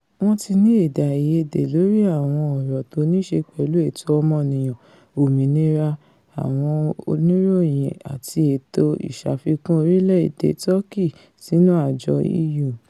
Wọn tí ni èdè-àìyede lórí àwọn ọ̀rọ̀ tó nííṣe pẹ̀lú ẹ̀tọ̀ ọmọniyàn, òmìnira àwọn oníròyìn àti ètò ìṣàfikún orílẹ̀-èdè Tọki sínú àjọ EU.